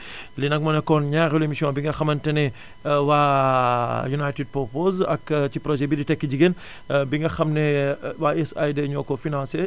lii nag moo nekkoon ñaareelu émission bi nga xamante ne waa United Purpose ak ci projet bii di tekki jigéen bi nga xam ne waa USAID ñoo ko financé